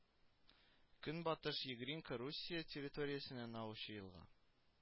КөнбатышЕгринка Русия территориясеннән агучы елга